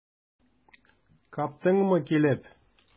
Каптыңмы килеп?